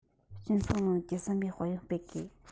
སྤྱི ཚོགས རིང ལུགས ཀྱི བསམ པའི དཔལ ཡོན སྤེལ དགོས